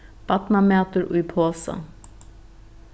barnamatur í posa